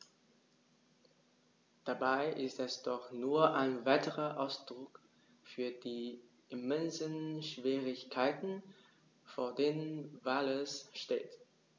Dabei ist es doch nur ein weiterer Ausdruck für die immensen Schwierigkeiten, vor denen Wales steht.